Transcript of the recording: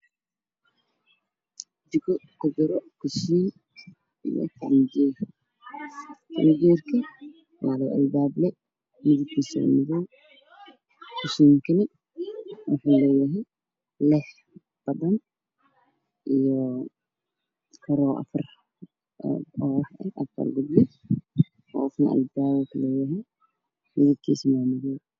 Jiko ku jiro kushiin iyo flingeer filinjeerka waa laba albaable kalarkiisu waa madow